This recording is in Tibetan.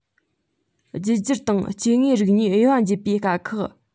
རྒྱུད འགྱུར དང སྐྱེ དངོས རིགས གཉིས དབྱེ བ འབྱེད པའི དཀའ ཁག